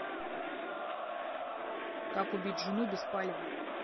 как убить жену без палева